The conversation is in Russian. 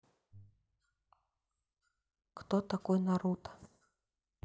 кто такой наруто